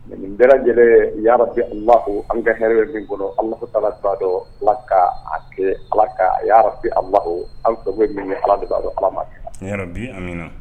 Mais nin bɛɛ lajɛlen yarabi alahu an bɛ ka hɛrɛ bɛ min bolo, Alahu tala b'a dɔn, Ala ka kɛ, Ala